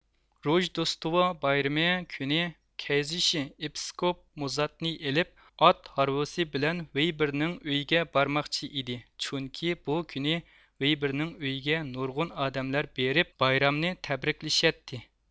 روژدوستىۋا بايرىمى كۈنى كەيزىشى ئىپىسكوپ مۇزاتنى ئېلىپ ئات ھارۋىسى بىلەن ۋىيبىرنىڭ ئۆيىگە بارماقچى ئىدى چۈنكى بۇ كۈنى ۋىيبىرنىڭ ئۆيىگە نۇرغۇن ئادەملەر بېرىپ بايرامنى تەبرىكلىشەتتى